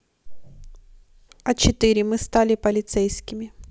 а четыре мы стали полицейскими